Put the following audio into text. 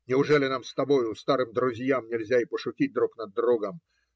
Неужели нам с тобою, старым друзьям, нельзя и пошутить друг над другом?